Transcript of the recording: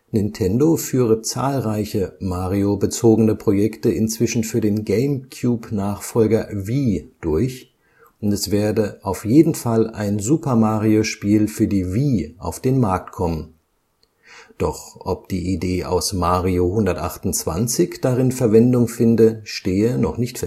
Nintendo führe zahlreiche Mario-bezogene Projekte inzwischen für den GameCube-Nachfolger Wii durch und es werde auf jeden Fall ein Super-Mario-Spiel für die Wii auf den Markt kommen; doch ob die Idee aus Mario 128 darin Verwendung finde, stehe noch nicht